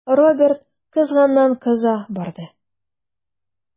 Роберт кызганнан-кыза барды.